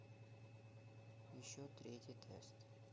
еще третий тест